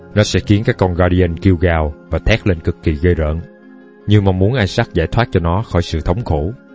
nó sẽ khiến các con guardian kêu gào và thét lên cực kỳ ghê rợn như mong muốn isaac giải thoát cho nó khỏi sự thống khổ